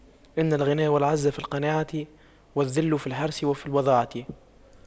إن الغنى والعز في القناعة والذل في الحرص وفي الوضاعة